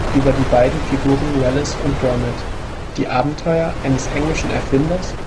über die beiden Figuren Wallace & Gromit, die Abenteuer eines englischen Erfinders